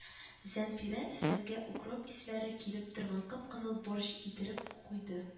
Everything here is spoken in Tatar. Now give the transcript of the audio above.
Зәнфирә өстәлгә укроп исләре килеп торган кып-кызыл борщ китереп куйды.